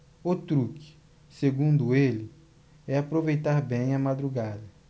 o truque segundo ele é aproveitar bem a madrugada